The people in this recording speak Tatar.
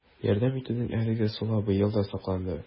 Ярдәм итүнең әлеге ысулы быел да сакланды: